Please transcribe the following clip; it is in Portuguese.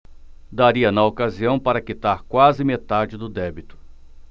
daria na ocasião para quitar quase metade do débito